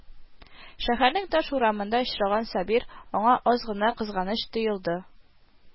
Шәһәрнең таш урамында очраган Сабир аңа аз гына кызганыч тоелды